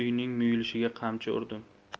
muyulishiga qamchi urdim